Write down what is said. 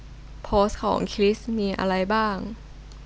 โพสต์ของคริสมีอะไรบ้าง